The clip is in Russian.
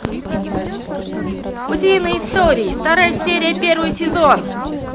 утиные истории вторая серия первый сезон